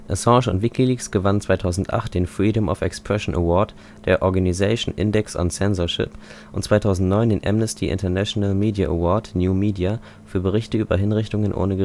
Assange und WikiLeaks gewannen 2008 den Freedom of Expression Award der Organisation Index on Censorship und 2009 den Amnesty International Media Award (New Media) für Berichte über Hinrichtungen ohne